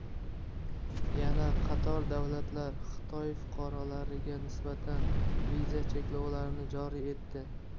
yana qator davlatlar xitoy fuqarolariga nisbatan viza cheklovlarini joriy etdi